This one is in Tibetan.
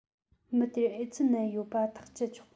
མི དེར ཨེ ཙི ནད བྱུང ཡོད པ ཐག བཅད ཆོག